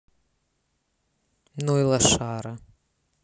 ну и лошары